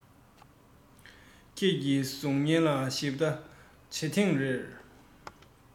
ཁྱེད ཀྱི གཟུགས བརྙན ལ ཞིབ ལྟ བྱེད ཐེངས རེར